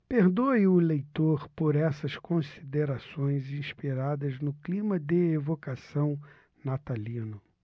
perdoe o leitor por essas considerações inspiradas no clima de evocação natalino